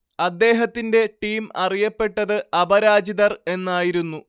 അദ്ദേഹത്തിന്റെ ടീം അറിയപ്പെട്ടത് അപരാജിതർ എന്നായിരുന്നു